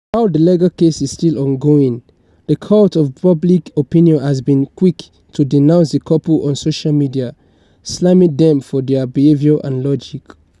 While the legal case is still ongoing, the court of public opinion has been quick to denounce the couple on social media, slamming them for their behavior and logic.